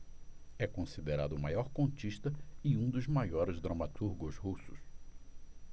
é considerado o maior contista e um dos maiores dramaturgos russos